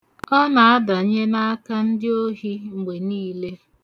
Ọ na-adanye n'aka ndị ohi mgbe niile.